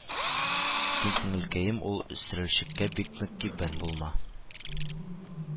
Син, сеңелкәем, ул өстерәлчеккә бик мөкиббән булма,